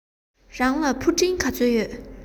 རང ལ ཕུ འདྲེན ག ཚོད ཡོད